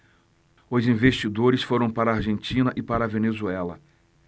os investidores foram para a argentina e para a venezuela